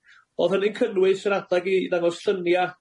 O'dd hynny'n cynnwys yr adeg i ddangos llynia?